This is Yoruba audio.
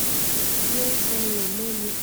Wọ́n halẹ̀ mọ́ mi!